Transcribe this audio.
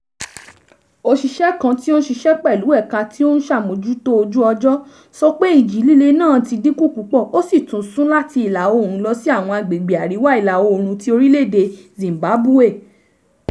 Òṣìṣẹ́ kan tí ó ń ṣisẹ́ pẹ̀lú Ẹ̀ka tí ó ń Mójútó Ojú Ọjọ́ sọ pé ìjì líle náà ti dínkù púpọ̀ ó sì ti sún láti ìlà-oòrùn lọ sí àwọn agbègbè àríwá ìlà-oòrùn ti orílẹ̀-èdè Zimbabwe.